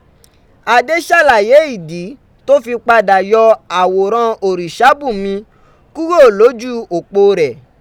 Adé ṣàlàyé ìdí tó fí padà yọ àwòrán Orisabunmi kúrò lójú òpó rẹ̀